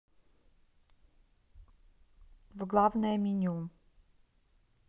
в главное меню